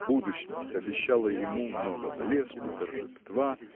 Будущность обещала ему много блеску, торжества